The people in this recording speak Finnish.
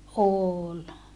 oli